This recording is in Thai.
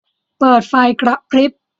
เปิดไฟกระพริบ